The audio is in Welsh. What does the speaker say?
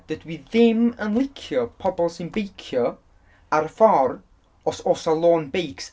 Dydw i ddim yn licio pobl sy'n beicio ar y ffordd os oes 'na lôn beics.